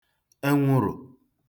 enwụrụ̀